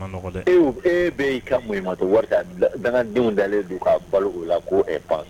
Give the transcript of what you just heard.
E bɛɛ y'i ka mun ma to wari dandenw dalen don ka balo la ko pan